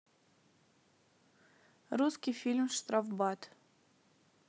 русский фильм штрафбат